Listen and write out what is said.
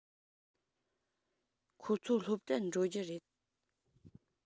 ཁོ ཚོ སློབ གྲྭར འགྲོ རྒྱུ རེད